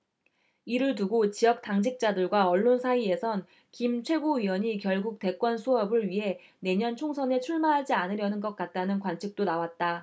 이를 두고 지역 당직자들과 언론 사이에선 김 최고위원이 결국 대권 수업을 위해 내년 총선에 출마하지 않으려는 것 같다는 관측도 나왔다